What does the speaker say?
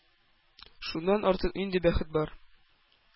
Шуннан артык нинди бәхет бар?!